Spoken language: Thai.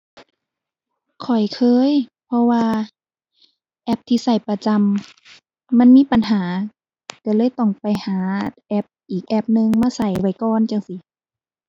ข้อยเคย เพราะว่าแอปที่ใช้ประจำมันมีปัญหาใช้เลยต้องไปหาแอปอีกแอปหนึ่งมาใช้ไว้ก่อน จั่งซี้